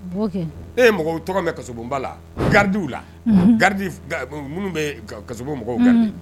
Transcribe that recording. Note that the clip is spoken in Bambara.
E ye mɔgɔw tɔgɔ kabonba la garidiw la, unhun, garidi minnu bɛ kasobon mɔgɔw garder ,un